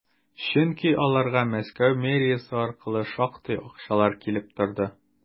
Чөнки аларга Мәскәү мэриясе аркылы шактый акчалар килеп торды.